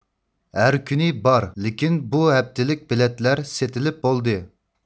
ھەركۈنى بار لېكىن بۇ ھەپتىلىك بېلەتلەر سېتىلىپ بولدى